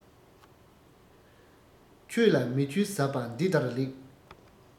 ཆོས ལ མི ཆོས ཟབ པ འདི ལྟར ལེགས